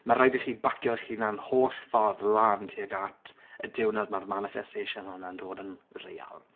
Mae rhaid i chi bacio eich hunan y holl ffordd lan tuag at y diwrnod mae'r manifestation hwnna'n dod yn real.